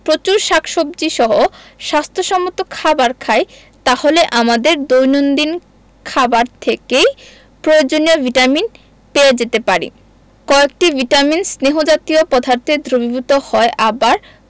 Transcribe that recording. প্রচুর শাকসবজী সহ স্বাস্থ্য সম্মত খাবার খাই তাহলে আমাদের দৈনন্দিন খাবার থেকেই প্রয়োজনীয় ভিটামিন পেয়ে যেতে পারি কয়েকটি ভিটামিন স্নেহ জাতীয় পদার্থে দ্রবীভূত হয় আবার